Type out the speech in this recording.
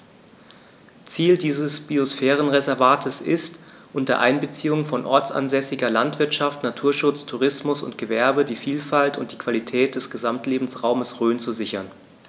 Ziel dieses Biosphärenreservates ist, unter Einbeziehung von ortsansässiger Landwirtschaft, Naturschutz, Tourismus und Gewerbe die Vielfalt und die Qualität des Gesamtlebensraumes Rhön zu sichern.